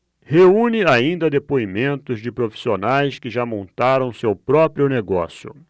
reúne ainda depoimentos de profissionais que já montaram seu próprio negócio